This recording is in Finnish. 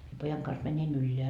minä pojan kanssa menin ylös